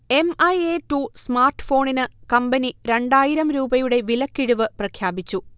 M. I. A two സ്മാർട്ഫോണിന് company രണ്ടായിരം രൂപയുടെ വിലക്കിഴിവ് പ്രഖ്യാപിച്ചു